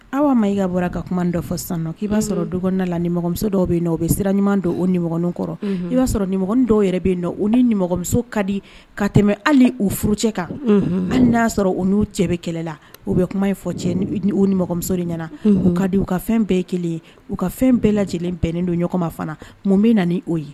Aw ma i ka bɔra ka kuma dɔ fɔ san i b'a sɔrɔ dɔgɔn la nimɔgɔmuso dɔw bɛ yen nɔ o bɛ siran ɲuman don o nimɔgɔin kɔrɔ i b'a sɔrɔ nimɔgɔ dɔw yɛrɛ bɛ yen nɔ o ni nimɔgɔmuso ka di ka tɛmɛ hali u furu cɛ kan hali n y'a sɔrɔ u n'u cɛbɛ kɛlɛla u bɛ kuma fɔ nimɔgɔmuso de ɲɛna o ka di u ka fɛn bɛɛ kelen ye u ka fɛn bɛɛ lajɛlen bɛnnen don ɲɔgɔn ma fana mun bɛ na'o ye